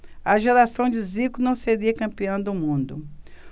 a geração de zico não seria campeã do mundo